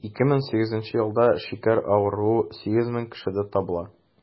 2008 елда шикәр авыруы 8 мең кешедә табыла.